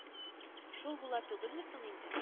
Шул була түгелме соң инде